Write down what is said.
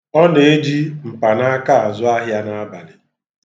Ọ na-eji mpanaaka azụ ahịa n'abalị.